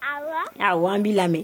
Wan b'i lamɛn